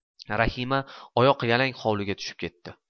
rahima oyoq yalang hovliga tushib ketdi